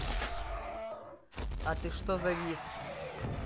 а ты что завис